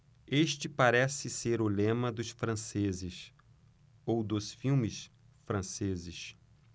este parece ser o lema dos franceses ou dos filmes franceses